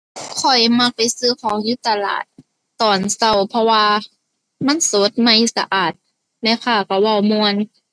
ข้อยมักไปซื้อของอยู่ตลาดตอนเช้า เพราะว่ามันสด ใหม่ สะอาด แม่ค้าเช้าเว้าม่วน